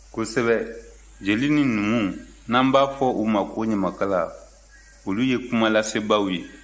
kosɛbɛ jeli ni numu n'an b'a fɔ u ma ko ɲamakala olu ye kuma lasebaaw ye